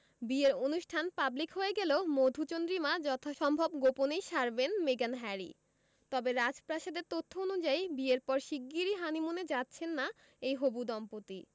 বিয়ের অনুষ্ঠান পাবলিক হয়ে গেলেও মধুচন্দ্রিমা যথাসম্ভব গোপনেই সারবেন মেগান হ্যারি তবে রাজপ্রাসাদের তথ্য অনুযায়ী বিয়ের পর শিগগিরই হানিমুনে যাচ্ছেন না এই হবু দম্পতি